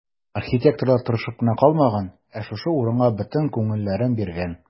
Архитекторлар тырышып кына калмаган, ә шушы урынга бөтен күңелләрен биргән.